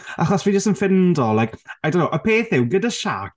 Achos fi jyst yn ffeindo... like I don't know, y peth yw gyda Shaq...